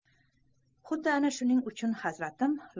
xuddi ana shuning uchun hazratim